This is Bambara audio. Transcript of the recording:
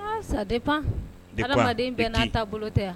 Sa de pan adamaden bɛɛ n'a taabolo bolo tɛ yan